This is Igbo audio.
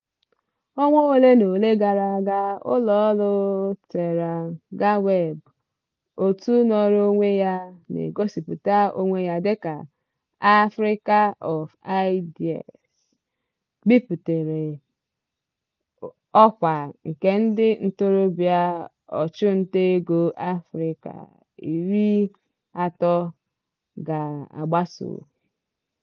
Ọnwa ole na ole gara aga, ụlọọrụ Terangaweb, òtù nọọrọ onwe ya na-egosịpụta onwe ya dịka "Africa of Ideas", bipụtara ọkwa nke ndị ntorobịa ọchụntaego Afrịka 30 a ga-agbaso.